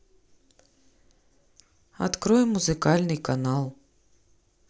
открой музыкальный канал